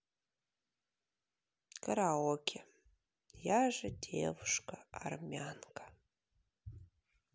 караоке я же девушка армянка